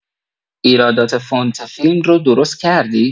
ایرادات فونت فیلم رو درست کردی؟